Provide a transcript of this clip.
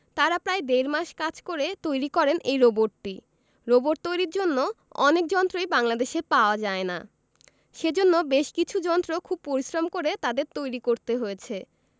তারা প্রায় দেড় মাস কাজ করে তৈরি করেন এই রোবটটি রোবট তৈরির জন্য অনেক যন্ত্রই বাংলাদেশে পাওয়া যায় না সেজন্য বেশ কিছু যন্ত্র খুব পরিশ্রম করে তাদের তৈরি করতে হয়েছে